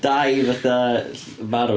Die fatha marw?